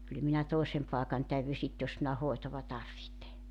kyllä minä toisen paikan täydyn sitten jos minä hoitoa tarvitsen